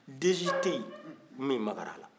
den si tɛ yen min maga a la